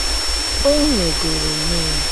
Ọ nwegoro onwe ya.